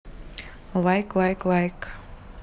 лайк лайк лайк